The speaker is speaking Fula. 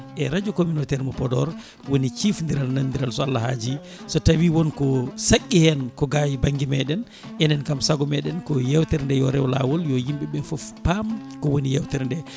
e radio communautaire mo Podor woni ciifodiral nanodiral so Allah haaji so tawi wonko saqqi hen ko gaa e bangue meɗen enen kaam saagomeɗen ko yewtere nde yo rew lawol yo yimɓeɓe foof paam ko woni yewtere nde